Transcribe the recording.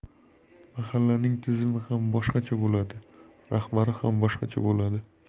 mahallaning tizimi ham boshqacha bo'ladi rahbari ham boshqa bo'ladi